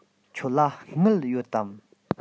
ཁྱོད ལ དངུལ ཡོད དམ